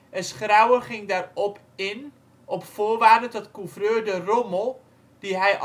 en Schrauer ging daarop in op voorwaarde dat Couvreur de rommel die hij